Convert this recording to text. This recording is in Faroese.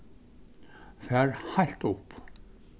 far heilt upp